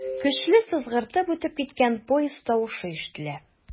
Көчле сызгыртып үтеп киткән поезд тавышы ишетелә.